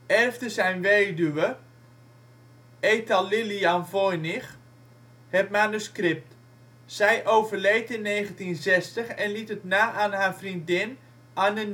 erfde zijn weduwe, Ethel Lilian Voynich, het manuscript. Zij overleed in 1960 en liet het na aan haar vriendin Anne Nill